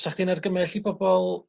'Sa chdi'n argymell i bobol